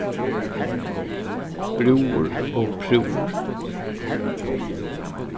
brúður og prúður